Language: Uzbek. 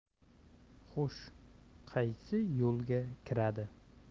xush qaysi yo'lga kiradi